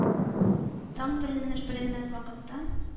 Таң беленер-беленмәс вакытта,